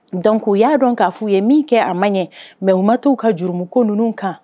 Dɔnkuc y'a dɔn k'a f'u ye min kɛ a man ɲɛ mɛ u ma taa' u ka juruugu ko ninnu kan